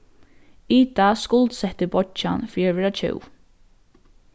ida skuldsetti beiggjan fyri at vera tjóv